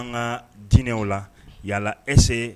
An ka diinɛ o la yalala ese